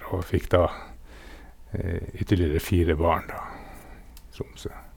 Og fikk da ytterligere fire barn, da, i Tromsø.